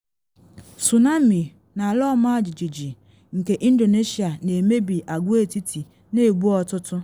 Tsunami na Ala Ọmajijiji nke Indonesia Na Emebi Agwa-etiti, Na Egbu Ọtụtụ